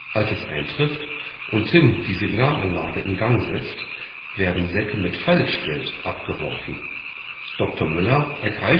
Als das Flugzeug eintrifft und Tim die Signalanlage in Gang setzt, werden Säcke mit Falschgeld abgeworfen. Dr. Müller gelingt